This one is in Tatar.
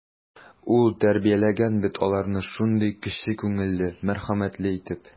Ул тәрбияләгән бит аларны шундый кече күңелле, мәрхәмәтле итеп.